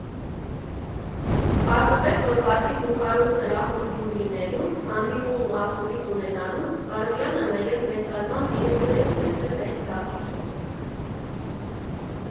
Պարզվեց, որ բացի Բուխարու սրահում հյուր լինելուց, հանդիպում ու ասուլիս ունենալուց, Սարոյանը նաև մեծարման երեկո է ունեցել մեծ դահլիճում։